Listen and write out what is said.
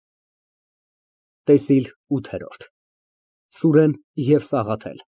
ՏԵՍԻԼ ՈՒԹԵՐՈՐԴ ՍՈՒՐԵՆ ԵՎ ՍԱՂԱԹԵԼ։